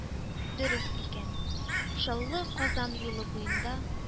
Дөрес икән. Чаллы – Казан юлы буенда